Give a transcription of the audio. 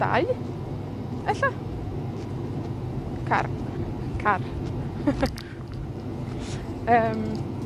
dau, ella? Car, car yym.